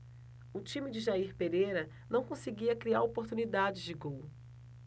o time de jair pereira não conseguia criar oportunidades de gol